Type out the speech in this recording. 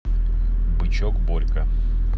бычок борька